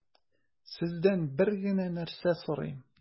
Сездән бер генә нәрсә сорыйм: